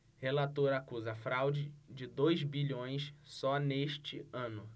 relator acusa fraude de dois bilhões só neste ano